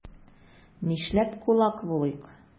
Нишләп кулак булыйк?